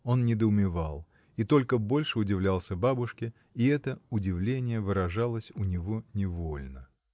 Он недоумевал — и только больше удивлялся бабушке, и это удивление выражалось у него невольно.